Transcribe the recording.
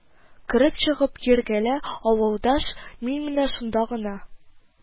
Кереп-чыгып йөргәлә, авылдаш, мин менә шунда гына